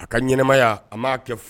A ka ɲmaya a maa kɛ